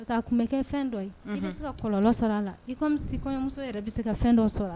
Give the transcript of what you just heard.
Tun bɛ kɛ fɛn dɔ i bɛ kalɔn a la imuso bɛ se ka fɛn sɔrɔ la